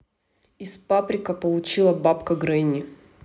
из паприка получила бабка гренни